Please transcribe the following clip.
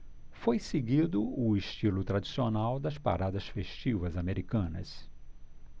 foi seguido o estilo tradicional das paradas festivas americanas